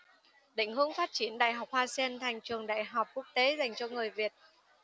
định hướng phát triển đại học hoa sen thành trường đại học quốc tế dành cho người việt